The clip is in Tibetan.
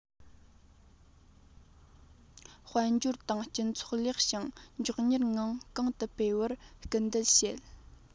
དཔལ འབྱོར དང སྤྱི ཚོགས ལེགས ཤིང མགྱོགས མྱུར ངང གོང དུ འཕེལ བར སྐུལ འདེད བྱེད